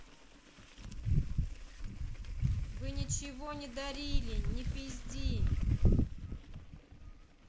вы ничего не дарили не пизди